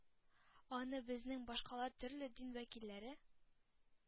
Аны безнең башкала төрле дин вәкилләре